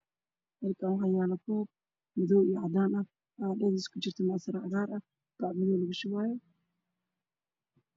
Halkaan ayaa la boog madow ee caddaan ah qaxoo lugasho waayo